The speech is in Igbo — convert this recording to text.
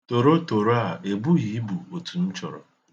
Torotoro a ebughi ibu etu m chọrọ